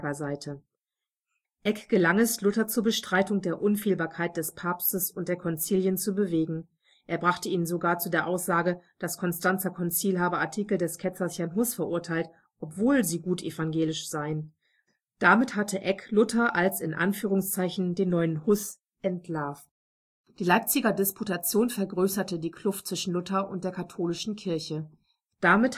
Seite. Eck gelang es, Luther zur Bestreitung der Unfehlbarkeit des Papstes und der Konzilien zu bewegen. Er brachte ihn sogar zu der Aussage, das Konstanzer Konzil habe Artikel des Ketzers Jan Hus verurteilt, obwohl sie gut evangelisch seien. Damit hatte Eck Luther als „ den neuen Hus “entlarvt. Die Leipziger Disputation vergrößerte die Kluft zwischen Luther und der katholischen Kirche. Wer